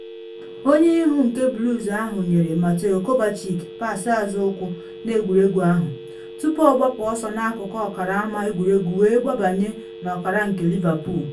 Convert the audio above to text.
Onye ihu nke Blues ahụ nyere Mateo Kovacic pass azụ ụkwụ n’egwuregwu ahụ, tupu ọ gbapụ ọsọ n’akụkụ ọkara ama egwuregwu wee gbabanye n’ọkara nke Liverpool.